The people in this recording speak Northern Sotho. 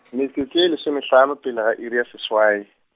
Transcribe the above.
metsotso e lesomehlano pele ga iri ya seswai.